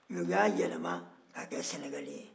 mɛ u y'a yɛlɛma k'a kɛ sɛnɛgaliɛn ye